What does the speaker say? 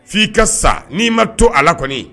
F'i ka sa n'i ma to a la kɔnni